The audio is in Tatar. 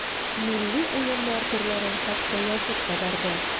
Милли уеннар төрләрен хәтта язып та барды.